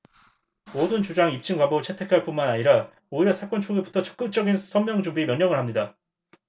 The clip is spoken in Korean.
모든 주장 입증 방법을 채택할 뿐만 아니라 오히려 사건 초기부터 적극적인 석명준비 명령을 합니다